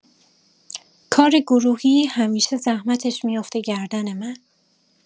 کار گروهی همیشه زحمتش می‌افته گردن من